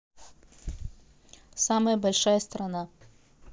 самая большая страна